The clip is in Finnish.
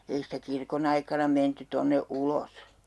ei sitä kirkon aikana menty tuonne ulos